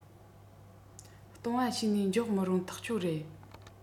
སྟོང པ བྱོས ནས འཇོག མི རུང ཐག ཆོད རེད